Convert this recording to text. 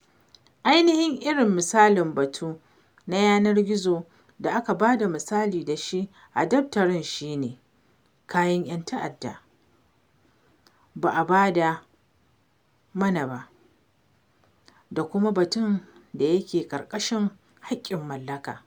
Ainihin irin misalin batu na yanar gizo da aka ba da misali da shi a daftarin shi ne ''kayan 'yan ta'adda' ( ba a ba da ma'na ba) da kuma batun da yake ƙarƙashin haƙƙin mallaka.